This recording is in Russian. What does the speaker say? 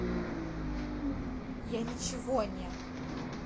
я ничего не